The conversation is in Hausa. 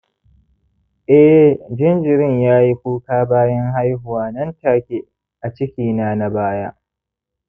eh, jinjirin yayi kuka bayan haihuwa nan-take a cikina na baya